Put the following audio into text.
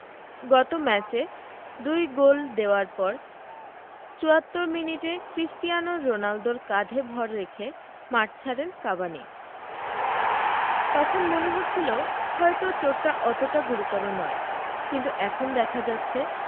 গত ম্যাচে দুই গোল দেওয়ার পর ৭৪ মিনিটে ক্রিস্টিয়ানো রোনালদোর কাঁধে ভর রেখে মাঠ ছাড়েন কাভানি তখন মনে হচ্ছিল হয়তো চোটটা অতটা গুরুতর নয় কিন্তু এখন দেখা যাচ্ছে